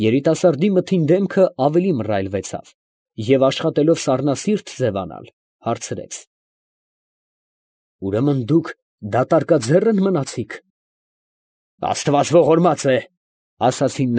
Երիտասարդի մթին դեմքը ավելի մռայլվեցավ, և աշխատելով սառնասիրտ ձևանալ, հարցրեց. ֊ Ուրեմն դուք դատարկաձե՞ռն մնացիք։ ֊ Աստված ողորմած է, ֊ ասացին։